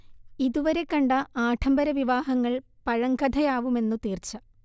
ഇതുവരെ കണ്ട ആഢംബര വിവാഹങ്ങൾ പഴങ്കഥയാവുമെന്നു തീർച്ച